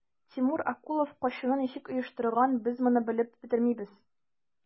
Тимур Акулов качуны ничек оештырган, без моны белеп бетермибез.